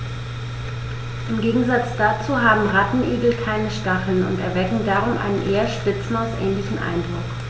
Im Gegensatz dazu haben Rattenigel keine Stacheln und erwecken darum einen eher Spitzmaus-ähnlichen Eindruck.